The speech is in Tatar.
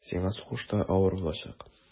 Сиңа сугышта авыр булачак.